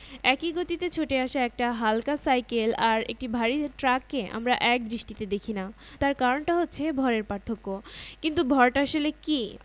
3.1.2 বল নিউটনের প্রথম সূত্রে প্রথমবার বল শব্দটা ব্যবহার করা হয়েছে কিন্তু মজার ব্যাপার হচ্ছে বল বলতে আমরা কী বোঝাই